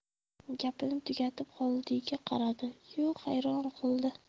gapini tugatib xolidiyga qaradi yu hayron qoldi